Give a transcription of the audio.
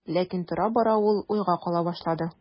Ләкин тора-бара ул уйга кала башлады.